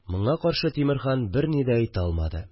Моңа каршы Тимерхан берни дә әйтә алмады